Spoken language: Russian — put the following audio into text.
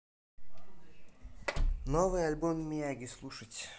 новый альбом миаги слушать